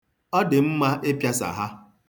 Ọ dị mma ịpịasa ha.